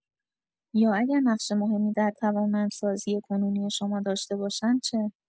یا اگر نقش مهمی در توانمندسازی کنونی شما داشته باشند چه؟